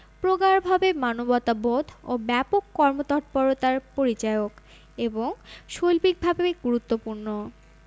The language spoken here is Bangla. প্রগাঢ়ভাবে মানবতাবোধ ও ব্যাপক কর্মতৎপরতার পরিচায়ক এবং শৈল্পিকভাবে গুরুত্বপূর্ণ